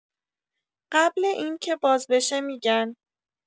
قبل اینکه باز بشه می‌گن